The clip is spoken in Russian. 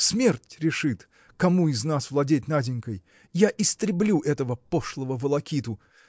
Смерть решит, кому из нас владеть Наденькой. Я истреблю этого пошлого волокиту!